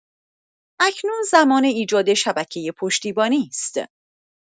اکنون زمان ایجاد شبکه پشتیبانی است.